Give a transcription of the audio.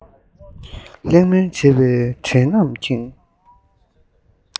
གླེང མོལ བྱེད པའི སྒྲས གནམ ས ཁེངས